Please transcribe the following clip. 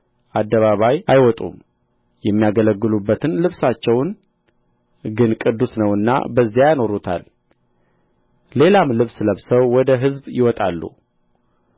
አደባባይ አይወጡም የሚያገለግሉበትን ልብሳቸውን ግን ቅዱስ ነውና በዚያ ያኖሩታል ሌላም ልብስ ለብሰው ወደ ሕዝብ ይወጣሉ